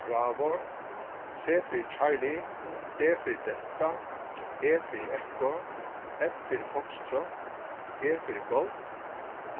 bravo c fyri charlie d fyri delta e fyri echo f fyri foxtrot g fyri golf